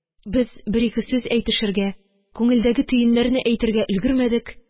Без бер-ике сүз әйтешергә, күңелдәге төеннәрне әйтергә өлгермәдек